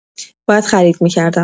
باید خرید می‌کردم.